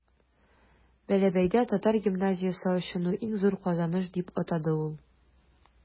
Бәләбәйдә татар гимназиясе ачуны иң зур казаныш дип атады ул.